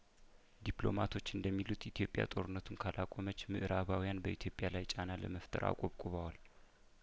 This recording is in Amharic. ዲፕሎማቶች እንደሚሉት ኢትዮጵያ ጦርነቱን ካላቆመች ምእራባውያን በኢትዮጵያ ላይ ጫና ለመፍጠር አቆብቁበዋል